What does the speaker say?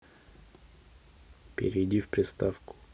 перейди в приставку